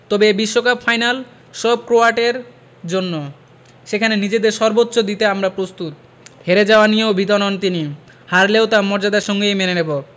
তবে এ বিশ্বকাপ ফাইনাল সব ক্রোয়াটের জন্য সেখানে নিজেদের সর্বোচ্চ দিতে আমরা প্রস্তুত হেরে যাওয়া নিয়েও ভীত নন তিনি হারলেও তা মর্যাদার সঙ্গেই মেনে নেব